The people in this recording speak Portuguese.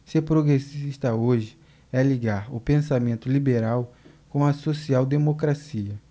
ser progressista hoje é ligar o pensamento liberal com a social democracia